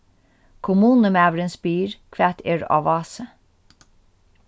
kommunumaðurin spyr hvat er á vási